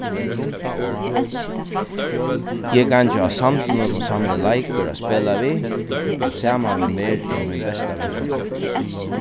eg gangi á sandinum og samli leikur at spæla við og saman við mær er mín besta vinkona